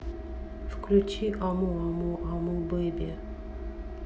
включи аму аму аму аму беби